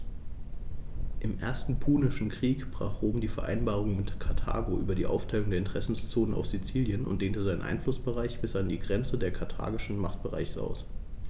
Im Ersten Punischen Krieg brach Rom die Vereinbarung mit Karthago über die Aufteilung der Interessenzonen auf Sizilien und dehnte seinen Einflussbereich bis an die Grenze des karthagischen Machtbereichs aus.